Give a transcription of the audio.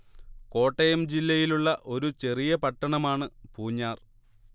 കോട്ടയം ജില്ലയിലുള്ള ഒരു ചെറിയ പട്ടണമാണ് പൂഞ്ഞാർ